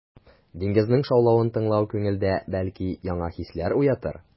Диңгезнең шаулавын тыңлау күңелдә, бәлки, яңа хисләр уятыр.